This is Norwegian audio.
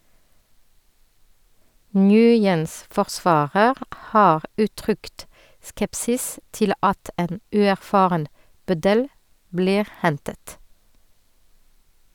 Nguyens forsvarer har uttrykt skepsis til at en uerfaren bøddel blir hentet.